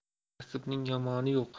kasbning yomoni yo'q